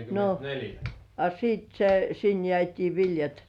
no a - se sinne jäätiin viljat